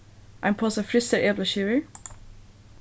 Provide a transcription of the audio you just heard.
ein posa frystar eplaskivur